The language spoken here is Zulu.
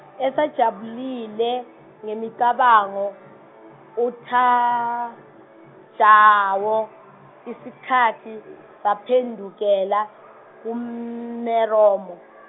esajabulile ngemicabango uThajawo isikhathi saphendukela kuMeromo.